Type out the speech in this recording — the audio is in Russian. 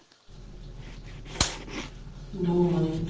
думай